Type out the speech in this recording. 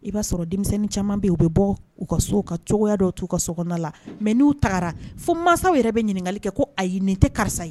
I b'a sɔrɔ denmisɛnnin caman bɛ u bɛ bɔ u ka so u ka cogoyaya dɔw'u ka so la mɛ n'u taara fo mansaw yɛrɛ bɛ ɲininkakali kɛ ko a ye nin tɛ karisa ye